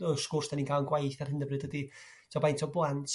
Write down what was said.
Y sgwrs 'dyn ni'n cael yn gwaith ar hyn o bryd ydi ta faint o blant